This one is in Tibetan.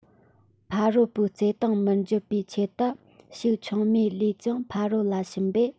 ཕ རོལ པོའི བརྩེ དུང མི འགྱུར བའི ཆེད དུ ཕྱུགས ཆུང མའི ལུས ཀྱང ཕ རོལ ལ བྱིན པས